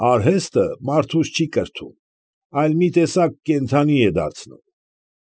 Արհեստը մարդուս չի կրթում, այլ մի տեսակ կենդանի է դարձնում։